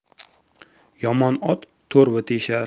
yomon ot to'rva teshar